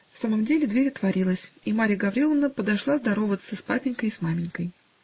В самом деле, дверь отворилась, и Марья Гавриловна подошла здороваться с папенькой и с маменькой.